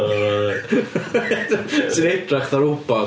Sy'n edrych fatha robot.